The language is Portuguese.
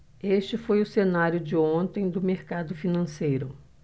este foi o cenário de ontem do mercado financeiro